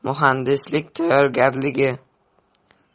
muhandislik tayyorgarligi